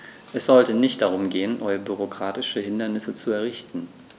Es sollte nicht darum gehen, neue bürokratische Hindernisse zu errichten.